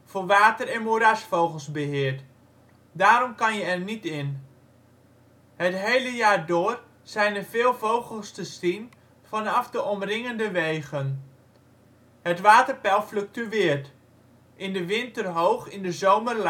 voor water - en moerasvogels beheerd. Daarom kan je er niet in. Het hele jaar door zijn er veel vogels te zien vanaf de omringende wegen. Het waterpeil fluctueert: in de winter hoog, in de zomer